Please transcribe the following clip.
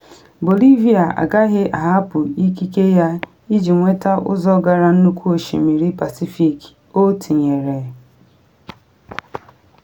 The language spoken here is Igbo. “Bolivia agaghị ahapụ ikike ya iji nweta ụzọ gara Nnukwu Osimiri Pasifik,” o tinyere.